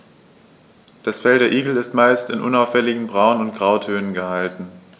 Das Fell der Igel ist meist in unauffälligen Braun- oder Grautönen gehalten.